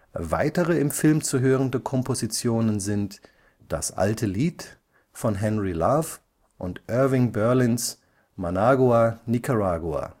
Weitere im Film zu hörende Kompositionen sind Das alte Lied von Henry Love und Irving Berlins Managua, Nicaragua